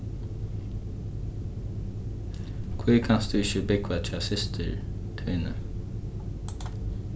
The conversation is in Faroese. hví kanst tú ikki búgva hjá systur tíni